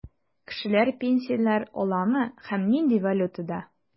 Кешеләр пенсияләр аламы һәм нинди валютада?